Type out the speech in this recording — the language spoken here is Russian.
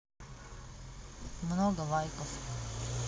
много лайков